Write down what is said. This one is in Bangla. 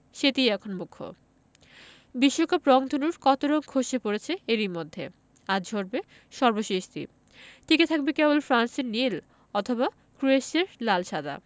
সেটিই এখন মুখ্য বিশ্বকাপ রংধনুর কত রং খসে পড়েছে এরই মধ্যে আজ ঝরবে সর্বশেষটি টিকে থাকবে কেবল ফ্রান্সের নীল অথবা ক্রোয়েশিয়ার লাল সাদা